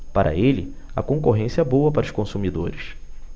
para ele a concorrência é boa para os consumidores